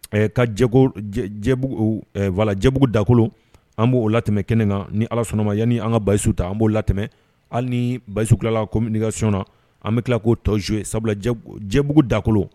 Ɛɛ ka v jɛbugu dakolo an b'o latɛ kɛnɛ kan ni ala sɔnnama yanani an ka basisu an b'o la hali ni basi tilala kɔmi kasona an bɛ tila k'o tɔnzo ye sabula jɛbugu dakolo